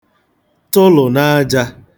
tụlụ n'aja